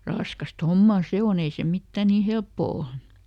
raskasta hommaa se on ei se mitään niin helppoa ole